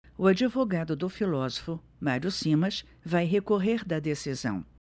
o advogado do filósofo mário simas vai recorrer da decisão